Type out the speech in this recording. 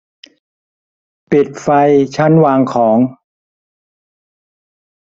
ปิดไฟชั้นวางของ